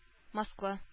Москва